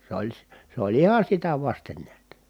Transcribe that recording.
se oli - se oli ihan sitä vasten näet